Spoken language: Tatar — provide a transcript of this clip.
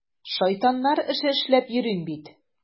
Шайтаннар эше эшләп йөрим бит!